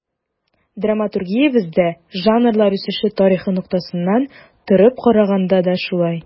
Драматургиябездә жанрлар үсеше тарихы ноктасынан торып караганда да шулай.